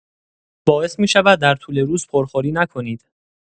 باعث می‌شود در طول روز پرخوری نکنید.